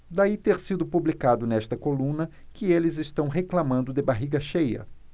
daí ter sido publicado nesta coluna que eles reclamando de barriga cheia